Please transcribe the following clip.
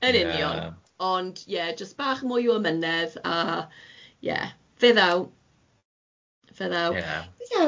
Yn union ond ie jys bach mwy o amynedd a ie fe ddaw fe ddaw... Ie...